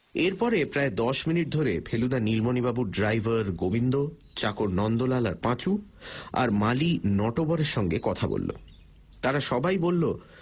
এর পরে প্রায় দশ মিনিট ধরে ফেলুদা নীলমণিবাবুর ড্রাইভার গোবিন্দ চাকর নন্দলাল আর পাঁচু আর মালি নটবরের সঙ্গে কথা বলল তারা সবাই বলল